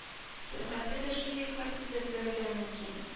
Сәнгатьтә дә шундый хәл күзәтелергә мөмкин